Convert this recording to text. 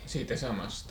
siitä samasta